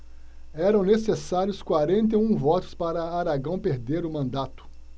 eram necessários quarenta e um votos para aragão perder o mandato